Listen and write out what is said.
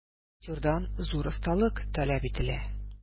Актердан зур осталык таләп ителә.